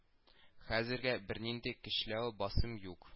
Хәзергә бернинди көчләү, басым юк